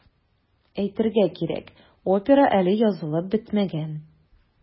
Әйтергә кирәк, опера әле язылып бетмәгән.